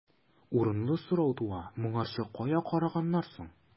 Урынлы сорау туа: моңарчы кая караганнар соң?